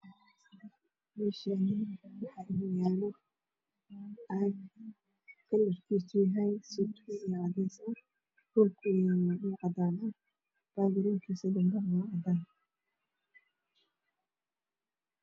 Meeshaan waxaa inoo yaala caag kalarkiisu yahay seytuun iyo cadeys ah. Dhulkana waa cadaan.